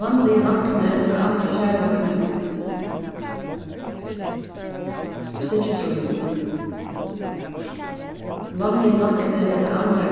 vanligi lækni ella annar stykki trý vanligi lækni ella annar